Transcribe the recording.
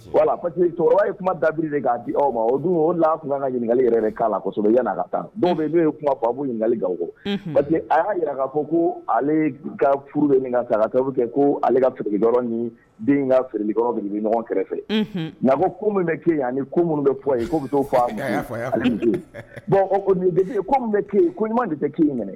Cɛkɔrɔba ye kuma dabiri de'a di aw ma o dun o la tun' ka ɲininka yɛrɛ bɛ' lasɔ yan ka taa n' kuma ali ga a y'a jira fɔ ko ale furu de ɲininka ka ta bɛ kɛ ko ale ka ni den ka feere bɛ ɲɔgɔn kɛrɛfɛ'a fɔ ko min bɛ ke ko minnu bɛ ye ko bɛ taa a bɔn o nin bɛ ke ko ɲuman de tɛ ke in minɛ